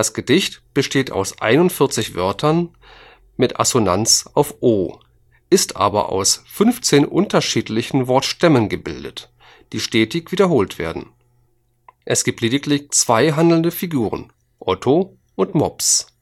Gedicht besteht aus 41 Wörtern mit Assonanz auf o, ist aber nur aus 15 unterschiedlichen Wortstämmen gebildet, die stetig wiederholt werden. Es gibt lediglich zwei handelnde Figuren: „ otto “und „ mops